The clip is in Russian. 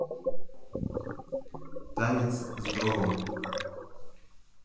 танец с гробом